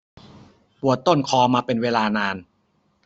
ปวดต้นคอมาเป็นเวลานาน